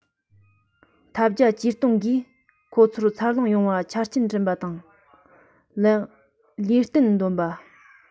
ཐབས བརྒྱ ཇུས སྟོང གིས ཁོང ཚོ འཚར ལོངས ཡོང བར ཆ རྐྱེན བསྐྲུན པ དང ལས སྟེགས འདོན པ